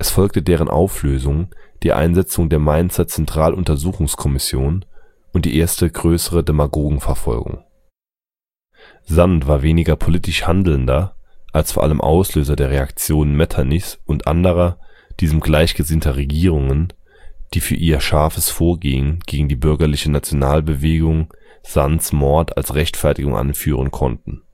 folgte deren Auflösung, die Einsetzung der Mainzer Zentraluntersuchungskommission und die erste größere Demagogenverfolgung. Sand war weniger politisch Handelnder als vor allem Auslöser der Reaktionen Metternichs und anderer, diesem gleichgesinnter Regierungen, die für ihr scharfes Vorgehen gegen die bürgerliche Nationalbewegung Sands Mord als Rechtfertigung anführen konnten